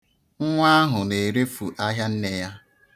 Nwa ahụ na-erefu ahịa nne ya.